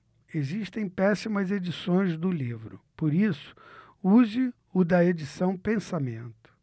existem péssimas edições do livro por isso use o da edição pensamento